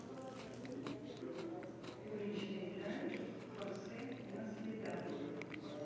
уличные драки хорхе масвидал